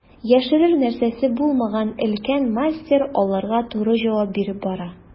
Яшерер нәрсәсе булмаган өлкән мастер аларга туры җавап биреп бара.